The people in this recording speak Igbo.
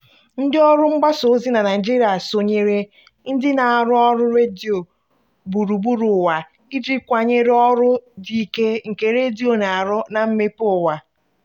Ndị ọrụ mgbasa ozi na Naịjirịa sonyere ndị na-arụ ọrụ redio gburugburu ụwa iji kwanyere ọrụ dị ike nke redio na-arụ na mmepe ụwa.